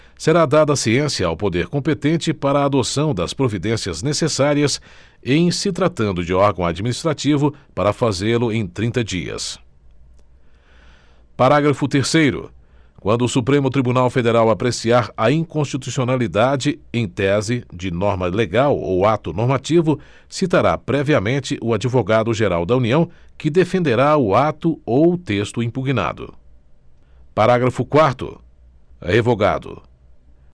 será dada ciência ao poder competente para a adoção das providências necessárias e em se tratando de órgão administrativo para fazê lo em trinta dias parágrafo terceiro quando o supremo tribunal federal apreciar a inconstitucionalidade em tese de norma legal ou ato normativo citará previamente o advogado geral da união que defenderá o ato ou texto impugnado parágrafo quarto revogado